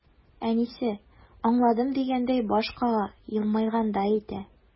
Әнисе, аңладым дигәндәй баш кага, елмайгандай итә.